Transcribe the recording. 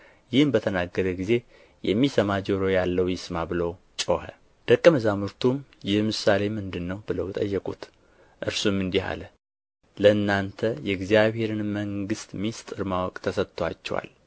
ይህን በተናገረ ጊዜ የሚሰማ ጆሮ ያለው ይስማ ብሎ ጮኸ ደቀ መዛሙርቱም ይህ ምሳሌ ምንድር ነው ብለው ጠየቁት እርሱም እንዲህ አለ ለእናንተ የእግዚአብሔርን መንግሥት ምሥጢር ማወቅ ተሰጥቶአችኋል